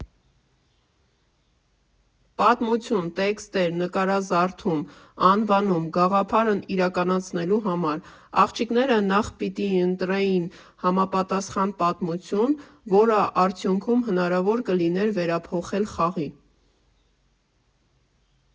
Պատմություն, տեքստեր, նկարազարդում, անվանում Գաղափարն իրականացնելու համար, աղջիկները նախ՝ պիտի ընտրեին համապատասխան պատմություն, որը արդյունքում հնարավոր կլիներ վերափոխել խաղի։